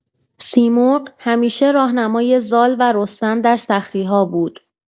سیمرغ همیشه راهنمای زال و رستم در سختی‌ها بود.